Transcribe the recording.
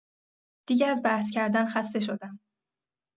دیگه از بحث کردن خسته شدم